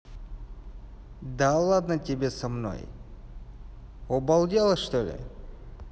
да ладно тебе со мной обалдела что ли